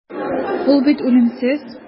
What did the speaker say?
Ул бит үлемсез.